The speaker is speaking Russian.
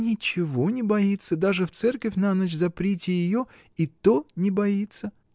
— Ничего не боится: даже в церковь на ночь заприте ее, и то не боится.